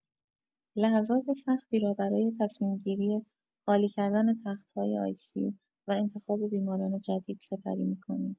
لحظات سختی را برای تصمیم‌گیری خالی کردن تخت‌های آی‌سی‌یو و انتخاب بیماران جدید سپری می‌کنیم